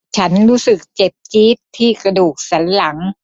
ฉันรู้สึกเจ็บจี๊ดที่กระดูกสันหลัง